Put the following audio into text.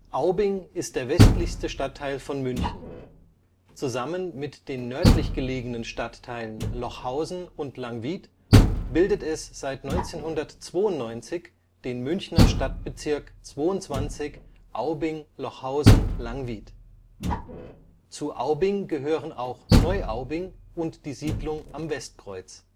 Aubing ist der westlichste Stadtteil von München. Zusammen mit den nördlich gelegenen Stadtteilen Lochhausen und Langwied bildet es seit 1992 den Münchner Stadtbezirk 22 Aubing-Lochhausen-Langwied. Zu Aubing gehören auch Neuaubing und die Siedlung Am Westkreuz